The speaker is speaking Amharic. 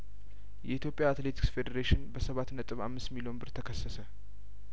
የኢትዮጵያ አትሌቲክስ ፌዴሬሽን በሰባት ነጥብ አምስት ሚሊዮን ብር ተከሰሰ